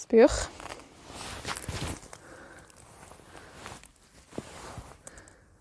Sbïwch.